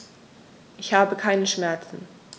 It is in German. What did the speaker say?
Ich habe keine Schmerzen.